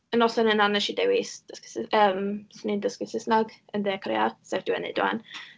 Y noson yna, wnes i ddewis dysgu sys-, yym, 'swn i'n dysgu Saesneg yn De Corea, sef dwi yn wneud rŵan.